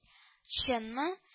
— чынмы